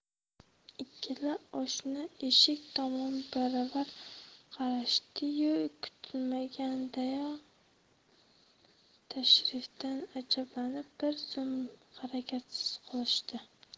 ikkala oshna eshik tomon baravar qarashdi yu kutilmagan tashrifdan ajablanib bir zum harakatsiz qolishdi